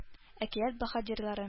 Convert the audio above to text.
Әкият баһадирлары